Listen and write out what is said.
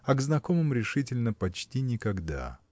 а к знакомым решительно почти никогда.